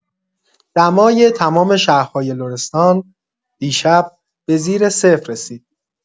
دمای تمام شهرهای لرستان دیشب به زیر صفر رسید.